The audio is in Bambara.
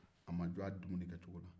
a ma dɔn a dumunikɛ cogo la